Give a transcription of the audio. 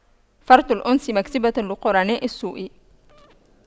فرط الأنس مكسبة لقرناء السوء